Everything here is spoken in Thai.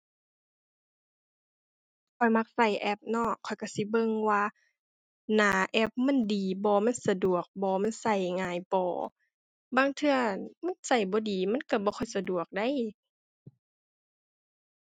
ข้อยมักใช้แอปเนาะ ข้อยใช้สิเบิ่งว่าหน้าแอปมันดีบ่ มันสะดวกบ่ มันใช้ง่ายบ่ บางเทื่อ อั่น มันใช้บ่ดีมันใช้บ่ค่อยสะดวกเดะ